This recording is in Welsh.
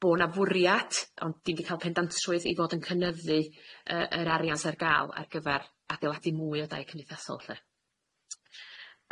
bo 'na fwriad ond dim 'di ca'l pendantrwydd 'i fod yn cynyddu yy yr arian sy ar ga'l ar gyfar adeiladu mwy o dai cymdeithasol lly.